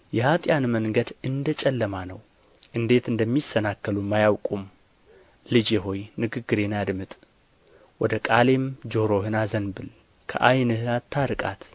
የኃጥኣን መንገድ እንደ ጨለማ ነው እንዴት እንደሚሰናከሉም አያውቁም ልጄ ሆይ ንግግሬን አድምጥ ወደ ቃሌም ጆሮህን አዘንብል ከዓይንህ አታርቃት